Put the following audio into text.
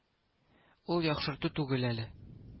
Ул яхшырту түгел әле